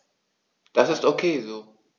Das ist ok so.